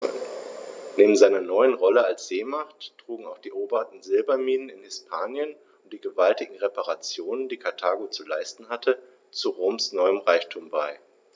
Neben seiner neuen Rolle als Seemacht trugen auch die eroberten Silberminen in Hispanien und die gewaltigen Reparationen, die Karthago zu leisten hatte, zu Roms neuem Reichtum bei.